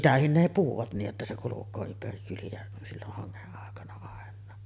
sitäkin ne puhuvat niin jotta se kulkee ympäri kyliä silloin hangen aikana ainakin